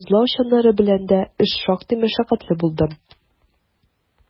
Тозлау чаннары белән дә эш шактый мәшәкатьле булды.